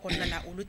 Kɔnɔna olu tɛ